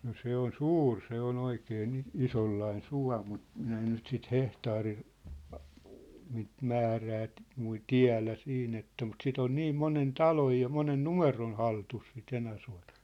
no se on suuri se on oikein niin isonlainen suo mutta minä en nyt sitten - niitä - määrää -- tiedä siinä että mutta sitä on niin monen talon ja monen numeron hallussa sitä Enäsuota